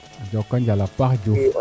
joko njal a paax Diouf